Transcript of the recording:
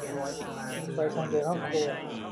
ปิดไฟทางเดินห้องครัว